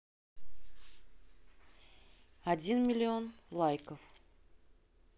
один миллион лайков